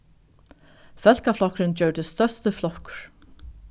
fólkaflokkurin gjørdist størsti flokkur